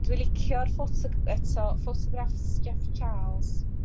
dwi licio'r ffotog- eto ffotograffs Jeff Charles